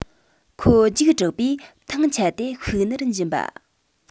ཁོ རྒྱུགས དྲགས པས ཐང ཆད དེ ཤུགས ནར འབྱིན པ